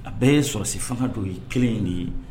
A bɛɛ ye sɔrɔsifanga don , o ye kelen ye nin ye.